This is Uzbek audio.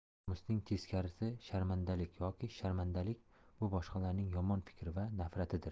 nomusning teskarisi sharmandalik yoki sharmandalik bu boshqalarning yomon fikri va nafratidir